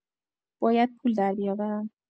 باید پول دربیاورم.